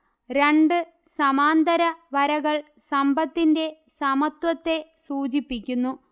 രണ്ട് സമാന്തര വരകൾ സമ്പത്തിന്റെ സമത്വത്തെ സൂചിപ്പിക്കുന്നു